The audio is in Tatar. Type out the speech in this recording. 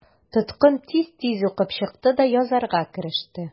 Тоткын тиз-тиз укып чыкты да язарга кереште.